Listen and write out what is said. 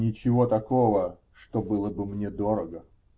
-- Ничего такого, что было бы мне дорого.